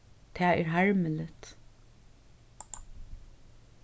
tað er harmiligt